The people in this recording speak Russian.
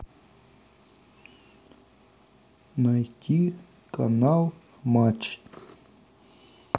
найти канал матч